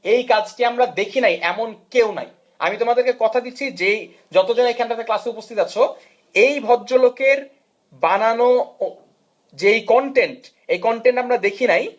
এই কাজটি আমরা দেখি নাই এমন কেউ নেই আমি তোমাদেরকে কথা দিচ্ছি যে যত জনে এখান টিতে ক্লাসে উপস্থিত আছো যে এই ভদ্রলোকের বানানো কন্টেন্ট এ কন্টেন্ট আমরা দেখি নাই